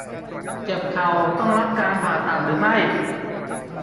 เจ็บเข่าต้องรับการผ่าตัดหรือไม่